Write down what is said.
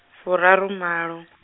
furarumalo.